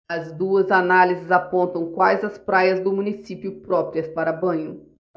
as duas análises apontam quais as praias do município próprias para banho